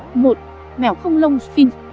mèo không lông sphynx